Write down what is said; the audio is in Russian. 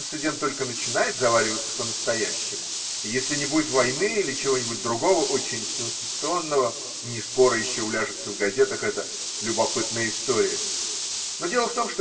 инцидент только начинает завариваться по-настоя щему, и, если не будет войны или чего-нибудь другого очень сенсационного, не скоро еще уляжется в газетах эта любопытная история. Но дело в том.